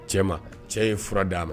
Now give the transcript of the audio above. Cɛ ma cɛ ye fura d'a ma